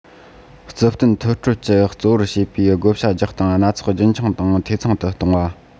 རྩོལ བསྟུན ཐོབ སྤྲོད ཀྱིས གཙོ བོར བྱེད པའི བགོ བཤའ རྒྱག སྟངས སྣ ཚོགས རྒྱུན འཁྱོངས དང འཐུས ཚང དུ གཏོང བ